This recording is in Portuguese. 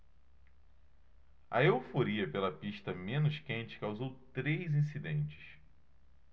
a euforia pela pista menos quente causou três incidentes